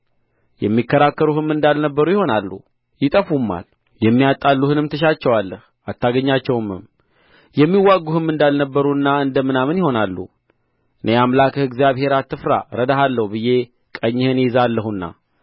የሚከራከሩህም እንዳልነበሩ ይሆናሉ ይጠፉማል የሚያጣሉህንም ትሻቸዋለህ አታገኛቸውምም የሚዋጉህም እንዳልነበሩና እንደ ምናምን ይሆናሉ እኔ አምላክህ እግዚአብሔር አትፍራ እረዳሃለሁ ብዬ ቀኝህን እይዛለሁና